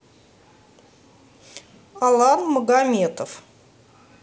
alan магомедов